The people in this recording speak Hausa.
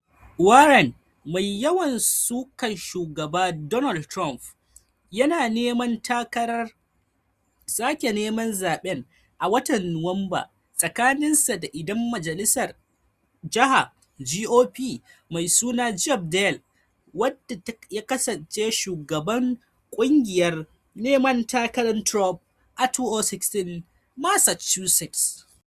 Warren, mai yawan sukan Shugaba Donald Trump, yana neman takarar sake neman zaben a watan Nuwamba tsakaninsa da dan majalisat Jaha GOP. mai suna Geoff Diehl, wanda ya kasance shugaban kungiyar neman takara Trump na 2016 Massachusetts.